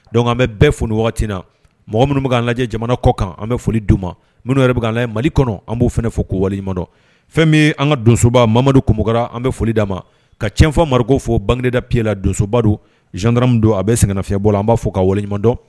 Dɔnku an bɛ bɛɛ foli na mɔgɔ minnu k'an lajɛ jamana kɔ kan an bɛ foli don ma minnu yɛrɛ bɛ'a mali kɔnɔ an b'o fana fo ko waliɲuman dɔn fɛn bɛ an ka donsoba mamadukura an bɛ foli d da ma ka cɛnfa ma ko fo bangeda pey la donsoba don jankarara don a bɛ sennafɛn bɔ an b'a fɔ ka wali waleɲuman dɔn